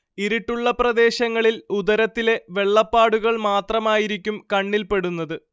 ഇരുട്ടുള്ള പ്രദേശങ്ങളിൽ ഉദരത്തിലെ വെള്ളപ്പാടുകൾ മാത്രമായിരിക്കും കണ്ണിൽപ്പെടുന്നത്